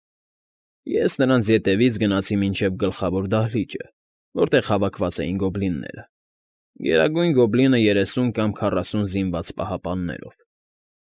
Ես նրանց ետևից գնացի մինչև գլխավոր դահլիճը, որտեղ հավաքված էին գոբլինները՝ Գերագույն Գոբլինը երեսուն կամ քառասուն զինված պահապաններով։